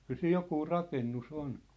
kyllä siinä joku rakennus on